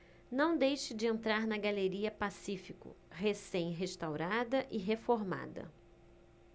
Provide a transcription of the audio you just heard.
não deixe de entrar na galeria pacífico recém restaurada e reformada